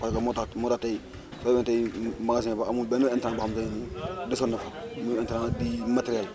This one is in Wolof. parce que moo tax moo tax tey fële nële tey magasin ba amul benn intrant boo xamante ne nii desoon na fa muy intrant di matériel